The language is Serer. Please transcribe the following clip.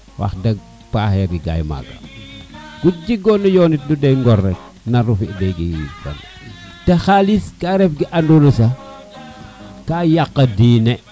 wax deg paxer rigay maga ku jigona yoni tiro teen ŋor rek nari ro fi to xalis ka ref ke ando na sax ka yaq diine